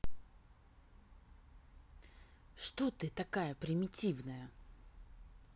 что ты такая примитивная